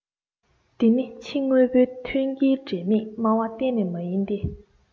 དེ ནི ཕྱིའི དངོས པོའི མཐུན རྐྱེན འབྲེལ མེད སྨྲ བ གཏན ནས མ ཡིན ཏེ